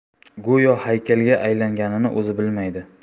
go'yo haykalga aylanganini o'zi bilmaydi